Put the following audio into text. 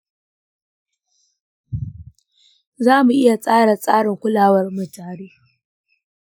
za mu iya tsara tsarin kulawarmu tare.